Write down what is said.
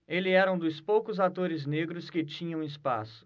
ele era um dos poucos atores negros que tinham espaço